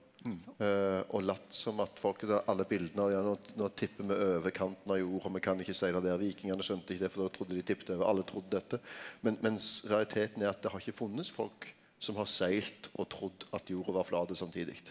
og latt som at folk då alle bilda av dei nå tipper med over kanten av jorda, me kan ikkje segla der, vikingane skjønte ikkje det for då trudde dei tippa over, alle trudde dette, men mens rariteten er at det har ikkje funnest folk som har seglt og trudd at jorda var flat samtidig.